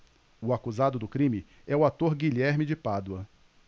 o acusado do crime é o ator guilherme de pádua